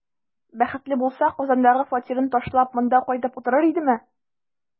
Бәхетле булса, Казандагы фатирын ташлап, монда кайтып утырыр идеме?